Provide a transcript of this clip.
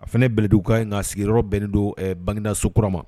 A fana bɛɛlɛlidugu ka in nka sigiyɔrɔ bɛnnen don bangegdaso kura ma